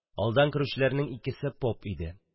Алдан керүчеләрнең икесе поп иде.